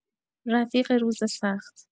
رفیق روز سخت